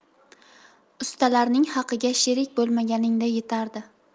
ustalarning haqiga sherik bo'lmaganingda yetardi